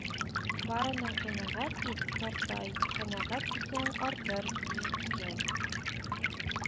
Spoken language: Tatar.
Барына канәгать ит, тартай, канәгать итсәң артыр, ди икән